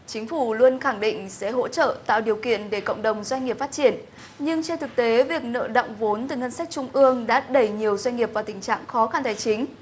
chính phủ luôn khẳng định sẽ hỗ trợ tạo điều kiện để cộng đồng doanh nghiệp phát triển nhưng trên thực tế việc nợ đọng vốn từ ngân sách trung ương đã đẩy nhiều doanh nghiệp vào tình trạng khó khăn tài chính